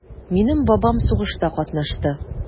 Минем бабам сугышта катнашты.